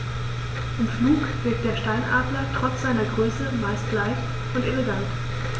Im Flug wirkt der Steinadler trotz seiner Größe meist sehr leicht und elegant.